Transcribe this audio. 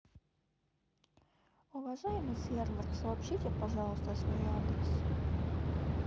уважаемый сервер сообщите пожалуйста свой адрес